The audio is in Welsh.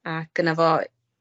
Ac gynna fo